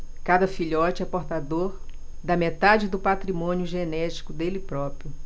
cada filhote é portador da metade do patrimônio genético dele próprio